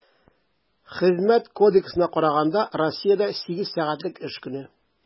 Хезмәт кодексына караганда, Россиядә сигез сәгатьлек эш көне.